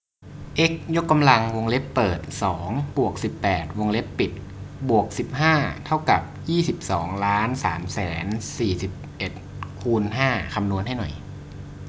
เอ็กซ์ยกกำลังวงเล็บเปิดสองบวกสิบแปดวงเล็บปิดบวกสิบห้าเท่ากับยี่สิบสองล้านสามแสนสี่สิบเอ็ดคูณห้าคำนวณให้หน่อย